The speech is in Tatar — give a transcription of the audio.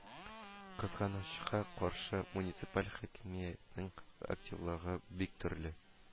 “кызганычка каршы, муниципаль хакимиятнең активлыгы бик төрле